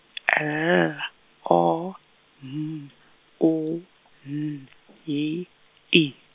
L, O, M, U, N, Y, E.